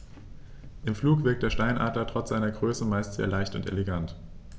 Im Flug wirkt der Steinadler trotz seiner Größe meist sehr leicht und elegant.